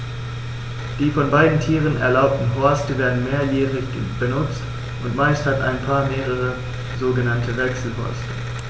Die von beiden Tieren erbauten Horste werden mehrjährig benutzt, und meist hat ein Paar mehrere sogenannte Wechselhorste.